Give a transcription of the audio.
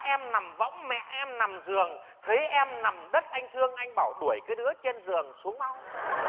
em nằm võng mẹ em nằm giường thấy em nằm đất anh thương anh bảo đuổi cứ đứa trên giường xuống mau